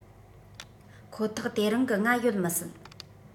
ཁོ ཐག དེ རིང གི ང ཡོད མི སྲིད